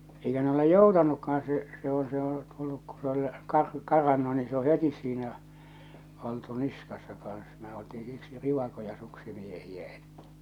eikä ne ole joutanutkaan se se on se on tullut kun se oli - karannut niin se on heti siinä oltu niskassa kanssa me oltiin siksi rivakoita suksimiehiä että